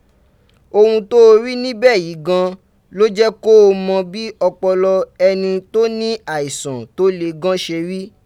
Ohun tó o rí níbí yìí gan ló jẹ́ kó o mọ bí ọpọlọ ẹni tó ní àìsàn tó le gan ṣe rí.